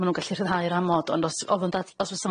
ma' nw'n gallu rhyddhau'r amod ond os ofyn dat- os fysa